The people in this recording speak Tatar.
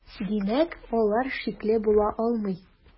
Димәк, алар шикле була алмый.